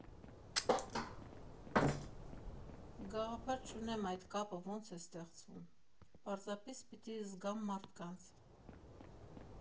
Գաղափար չունեմ այդ կապը ոնց է ստեղծվում, պարզապես պիտի զգամ մարդկանց։